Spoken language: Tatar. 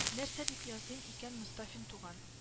Нәрсә дип языйм икән мостафин туган